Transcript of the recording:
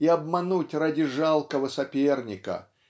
и обмануть ради жалкого соперника